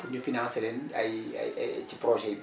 pour ñu financer leen ay ay ay projet yi